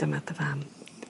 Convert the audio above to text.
Dyma dy fam.